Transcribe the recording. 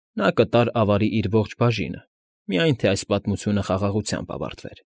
Նա կտար ավարի իր ողջ բաժինը, միայն թե այս պատմությունը խաղաղությամբ ավարտվեր։ ֊